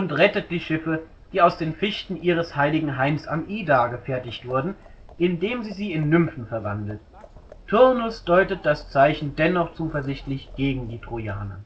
rettet die Schiffe, die aus den Fichten ihres Heiligen Hains am Ida gefertigt wurden, indem sie sie in Nymphen verwandelt. Turnus deutet das Zeichen dennoch zuversichtlich gegen die Trojaner